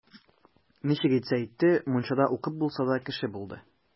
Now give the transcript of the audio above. Ничек итсә итте, мунчада укып булса да, кеше булды.